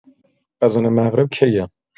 اذان مغرب کیه؟